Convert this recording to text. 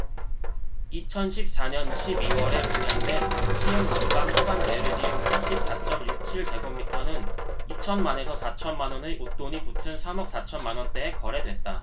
이천 십 사 년 십 이 월에 분양된 시흥목감호반베르디움 팔십 사 쩜 육 칠 제곱미터는 이천 만 에서 사천 만원의 웃돈이 붙은 삼 억 사천 만원대에 거래됐다